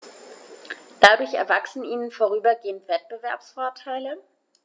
Dadurch erwachsen ihnen vorübergehend Wettbewerbsvorteile.